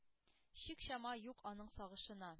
Чик-чама юк аның сагышына.